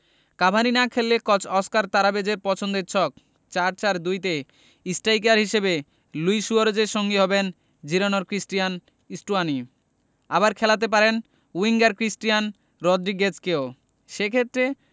Cavani না খেললে coach Oscar তাবারেজের পছন্দের ছক ৪ ৪ ২ তে স্ট্রাইকার হিসেবে লুই সুয়ারেজের সঙ্গী হবেন জিরোনার ক্রিস্টিয়ান স্টুয়ানি আবার খেলাতে পারেন উইঙ্গার ক্রিস্টিয়ান রড্রিগেজকেও সে ক্ষেত্রে